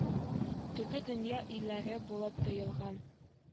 Теге дөнья ияләре булып тоелган